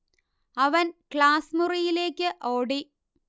അവൻ ക്ലാസ് മുറിയിലേക്ക് ഓടി